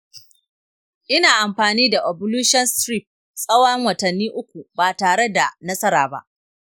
ina amfani da ovulation strips tsawon watanni uku ba tare da nasara ba.